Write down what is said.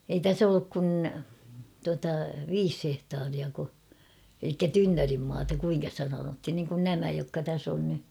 ei tässä ollut kuin tuota viisi hehtaariako eli tynnyrimaata kuinka sitä sanottiin niin kuin nämä jotka tässä on nyt